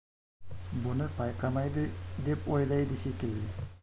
buni payqamaydi deb o'ylaydi shekilli